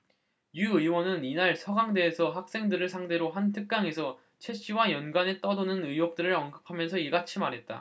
유 의원은 이날 서강대에서 학생들을 상대로 한 특강에서 최씨와 연관해 떠도는 의혹들을 언급하면서 이같이 말했다